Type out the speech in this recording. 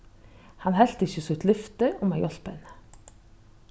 hann helt ikki sítt lyfti um at hjálpa henni